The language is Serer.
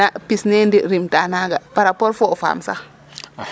pis ne rim ta naaga parapport fo o faam sax .